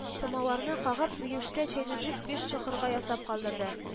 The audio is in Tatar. Самавырны кагып, биюшкә чәйне дүрт-биш чокырга ясап калдырды. ш